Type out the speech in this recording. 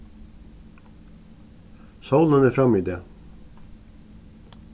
sólin er frammi í dag